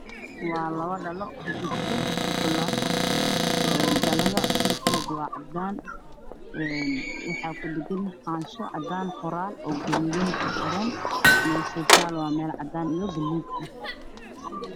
Waa labo dhalo waxaa kujirto shukulaato, dhalada furkeeda waa cadaan waxaa kudhagan xaanshi cadaan ah oo qoraal gaduudan kuqoran yahay meesha ay taalo waa meel cadaan iyo buluug ah.